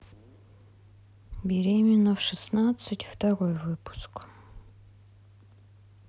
беременна в шестнадцать второй выпуск